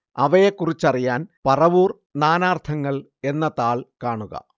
അവയെക്കുറിച്ചറിയാൻ പറവൂർ നാനാർത്ഥങ്ങൾ എന്ന താൾ കാണുക